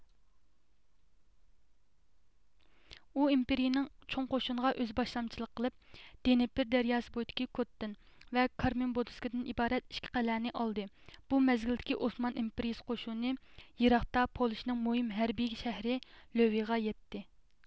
ئۇ ئىمپېرىيىنىڭ چوڭ قوشۇنىغا ئۆزى باشلامچىلىق قىلىپ دنېپر دەرياسى بويىدىكى كوتتىن ۋە كارمېنبودىسكىدىن ئىبارەت ئىككى قەلئەنى ئالدى بۇ مەزگىلدىكى ئوسمان ئىمپېرىيىسى قوشۇنى يىراقتا پولشىنىڭ مۇھىم ھەربىي شەھىرى لۆۋېغا يەتتى